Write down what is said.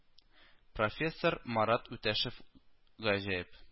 Профессор марат үтәшев гаҗәеп